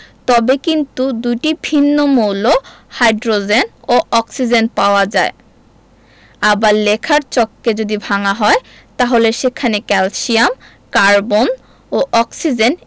তবে কিন্তু দুটি ভিন্ন মৌল হাইড্রোজেন ও অক্সিজেন পাওয়া যায় আবার লেখার চককে যদি ভাঙা হয় তাহলে সেখানে ক্যালসিয়াম কার্বন ও অক্সিজেন